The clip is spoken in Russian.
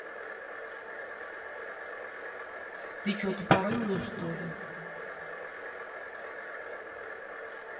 ты че тупорылая что ли